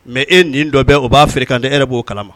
Mɛ e nin dɔ bɛ o b'a f kan e yɛrɛ b'o kalama